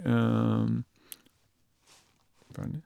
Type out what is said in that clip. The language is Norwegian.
Ferdig.